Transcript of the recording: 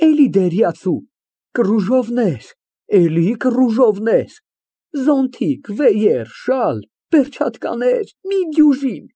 Դերիացու, կռուժովներ, զոնթիկ, վեյեր, շալ, պերչաթկաներ մի դյուժին։